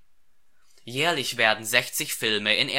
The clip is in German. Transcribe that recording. Jährlich werden 60 Filme in